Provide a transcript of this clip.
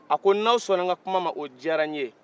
a ko n'aw sɔnna n ka kuma ma o diyara n ye